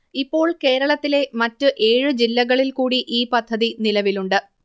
ഇപ്പോൾ കേരളത്തിലെ മറ്റ് ഏഴ് ജില്ലകളിൽ കൂടി ഈ പദ്ധതി നിലവിലുണ്ട്